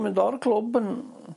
...mynd o'r clwb yn